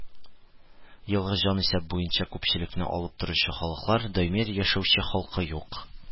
Елгы җанисәп буенча күпчелекне алып торучы халыклар: даими яшәүче халкы юк